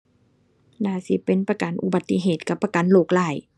น่าสิเป็นประกันอุบัติเหตุกับประกันโรคร้าย